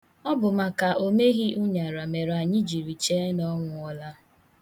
Ọ bụ maka o meghị ụṅara mere anyị jiri chee na ọ nwụọla.